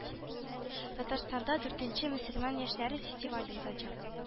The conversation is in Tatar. Татарстанда дүртенче мөселман яшьләре фестивале узачак